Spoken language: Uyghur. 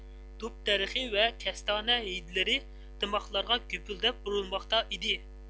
دۇب دەرىخى ۋە كەستانە ھىدلىرى دىماغلارغا گۈپۈلدەپ ئۇرۇلماقتا ئىدى